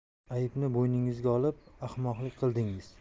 aybni bo'yningizga olib ahmoqlik qildingiz